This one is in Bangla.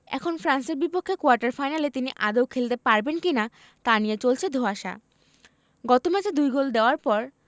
এখন ফ্রান্সের বিপক্ষে কোয়ার্টার ফাইনালে তিনি আদৌ খেলতে পারবেন কি না তা নিয়ে চলছে ধোঁয়াশা গত ম্যাচে দুই গোল দেওয়ার পর